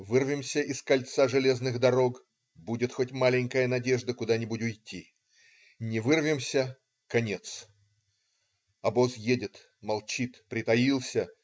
Вырвемся из кольца железных дорог - будет хоть маленькая надежда куда-нибудь уйти. Не вырвемся - конец. Обоз едет, молчит, притаился.